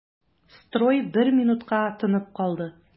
Строй бер минутка тынып калды.